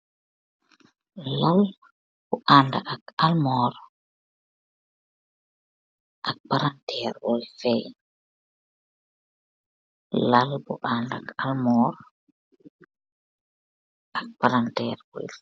Laalil bu sokola andakk armoor ak balanterr.